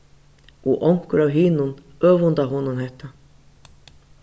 og onkur av hinum øvunda honum hetta